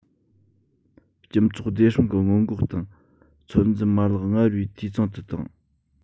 སྤྱི ཚོགས བདེ སྲུང གི སྔོན འགོག དང ཚོད འཛིན མ ལག སྔར བས འཐུས ཚང དུ བཏང